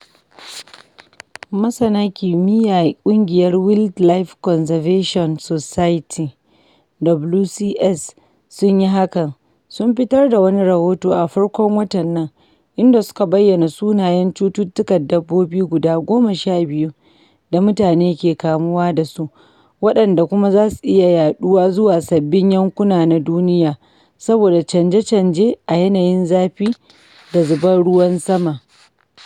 Masana kimiyya a ƙungiyar Wildlife Conservation Society (WCS) sun yi hakan — sun fitar da wani rahoto a farkon watan nan, inda suka bayyana sunayen cututtukan dabbobi guda 12 da mutane ke kamuwa dasu, waɗanda kuma za su iya yaɗuwa zuwa sabbin yankuna na duniya saboda canje-canje a yanayin zafi da zubar ruwan sama.